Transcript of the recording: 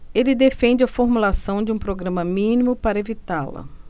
ele defende a formulação de um programa mínimo para evitá-la